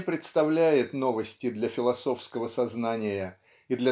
не представляет новости для философского сознания и